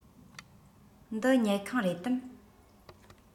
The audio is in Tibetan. འདི ཉལ ཁང རེད དམ